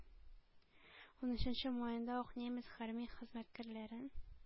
Унөченче маенда ук немец хәрби хезмәткәрләрен